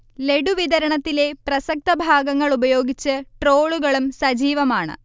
ലഡു വിതരണത്തിലെ പ്രസക്തഭാഗങ്ങൾ ഉപയോഗിച്ച് ട്രോളുകളും സജീവമാണ്